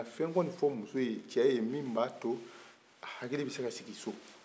a na fɛn kɔni fɔ ɲɛ ye min b'a to a hakili bɛ se ka sigi bɛ se ka sigi so